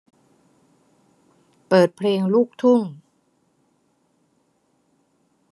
เปิดเพลงลูกทุ่ง